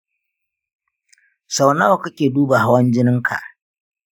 sau nawa kake duba hawan jininka?